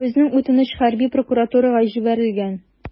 Безнең үтенеч хәрби прокуратурага җибәрелгән.